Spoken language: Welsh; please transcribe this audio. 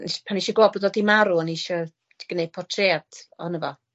nesh, pan nesh i glywad bod o 'di marw o'n i isio gneud portread ohono fo.